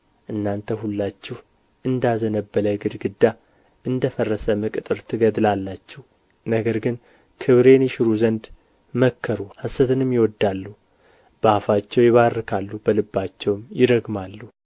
እናንተ ሁላችሁ እንዳዘነበለ ግድግዳ እንደ ፈረሰም ቅጥር ትገድላላችሁ ነገር ግን ክብሬን ይሽሩ ዘንድ መከሩ ሐሰትንም ይወድዳሉ በአፋቸው ይባርካሉ በልባቸውም ይረግማሉ